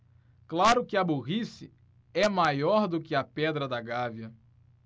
claro que a burrice é maior do que a pedra da gávea